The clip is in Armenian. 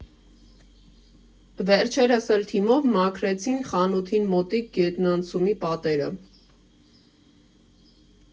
Վերջերս էլ թիմով մաքրեցին խանութին մոտիկ գետնանցումի պատերը։